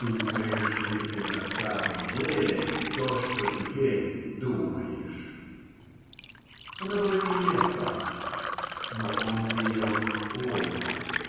"Думаешь ли ты на самом деле то, что теперь думаешь?" Она была нелепа, но он ее понял.